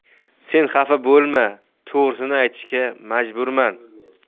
sen xafa bo'lma to'g'risini aytishga majburman